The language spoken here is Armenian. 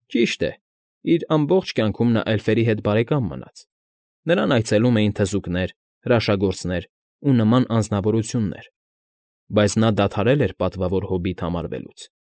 Ճիշտ է, իր ամբողջ կյանքում նա էլֆերի հետ բարեկամ մնաց, նրանց այցելում էին թզուկներ, հրաշագործներ ու նման անձնավորություններ, բայց նա դադարել էր պատվավոր հոբիտ համարվելուց։